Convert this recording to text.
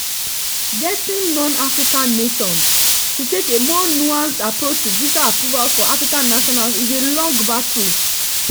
Getting non-African nations to take a more nuanced approach to visa approvals for African nationals is a long battle.